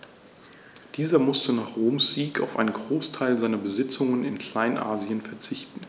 Dieser musste nach Roms Sieg auf einen Großteil seiner Besitzungen in Kleinasien verzichten.